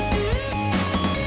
ai